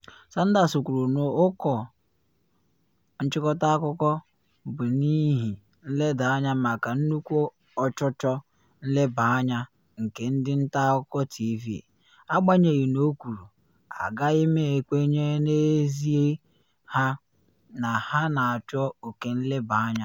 Sanders kwuru na ụkọ nchịkọta akụkọ bụ n’ihi nleda anya maka “nnukwu ọchụchọ nlebanye anya” nke ndị nta akụkọ TV,” agbanyeghi na o kwuru: “Agaghị m ekwenye n’ezie ha na ha na achọ oke nlebanye anya.”